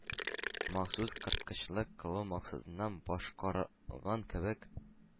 Махсус, корткычлык кылу максатыннан башкарылган кебек,